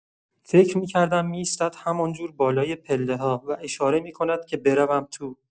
فکر می‌کردم می‌ایستد همان‌جور بالای پله‌ها و اشاره می‌کند که بروم تو.